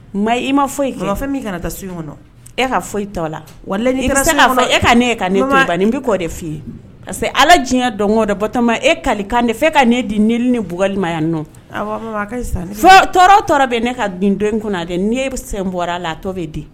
Maa i ma fɔ fɛn min taa e ka fɔ tɔ la e ka ne ka ban n bɛ kɔ de f'i ka que ala diɲɛ dɔn kɔ ba e kalikan de fɛ ka ne di ni ni bliya nɔ tɔɔrɔ bɛ ne ka nin don kɔnɔ a n' e bɛ sen bɔra a la a tɔ bɛ di